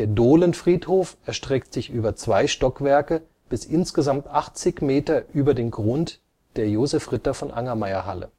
Dohlenfriedhof erstreckt sich über zwei Stockwerke bis insgesamt 80 Meter über den Grund der Josef-Ritter-von-Angermayer-Halle